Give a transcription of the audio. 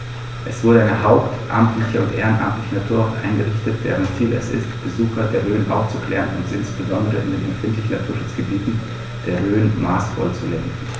Es wurde eine hauptamtliche und ehrenamtliche Naturwacht eingerichtet, deren Ziel es ist, Besucher der Rhön aufzuklären und insbesondere in den empfindlichen Naturschutzgebieten der Rhön maßvoll zu lenken.